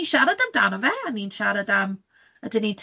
...ni'n siarad amdano fe, a ni'n siarad am ydyn ni'n